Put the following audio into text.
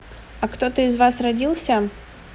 а кто то из вас родился